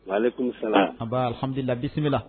Hala bisimila